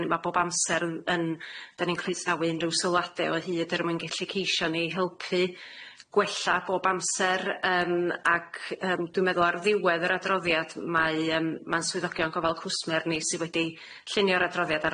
Dan ni ma' bob amser yn yn dan ni'n croesawy unryw sylwade o hyd er mwyn gellu ceisio ni helpu gwella bob amser yym ag yym dwi'n meddwl ar ddiwedd yr adroddiad mae yym ma'n swyddogion gofal cwsmer ni sydd wedi llunio'r adroddiad ar